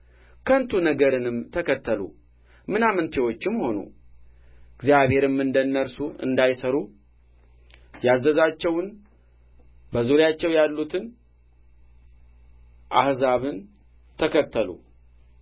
ከንቱ ነገርንም ተከተሉ ምናምንቴዎችም ሆኑ እግዚአብሔርም እንደ እነርሱ እንዳይሠሩ ያዘዛቸውን በዙሪያቸው ያሉትን አሕዛብን ተከተሉ